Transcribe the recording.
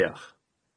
Dioch.